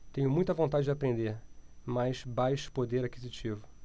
tenho muita vontade de aprender mas baixo poder aquisitivo